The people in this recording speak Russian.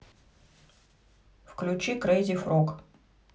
включи крейзи фрог